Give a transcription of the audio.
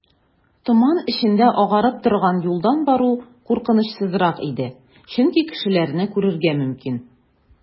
Томан эчендә агарып торган юлдан бару куркынычсызрак иде, чөнки кешеләрне күрергә мөмкин.